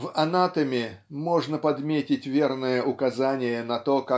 В "Анатэме" можно подметить верное указание на то